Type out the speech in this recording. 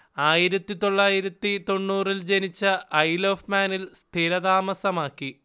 ആയിരത്തിത്തൊള്ളായിരത്തി തൊണ്ണൂറില്‍ ജനിച്ച ഐൽ ഒഫ് മാനിൽ സ്ഥിരതാമസമാക്കി